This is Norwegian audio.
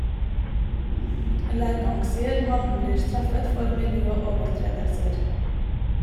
Lekang sier mannen blir straffet for miljøovertredelser.